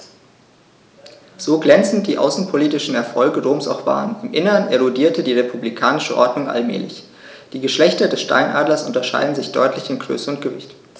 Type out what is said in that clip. So glänzend die außenpolitischen Erfolge Roms auch waren: Im Inneren erodierte die republikanische Ordnung allmählich. Die Geschlechter des Steinadlers unterscheiden sich deutlich in Größe und Gewicht.